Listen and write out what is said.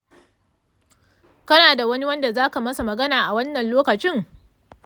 kana da wani wadda zaka masa magana a wannan lokacin?